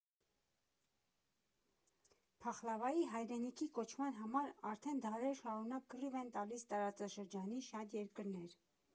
Փախլավայի հայրենիքի կոչման համար արդեն դարեր շարունակ կռիվ են տալիս տարածաշրջանի շատ երկրներ։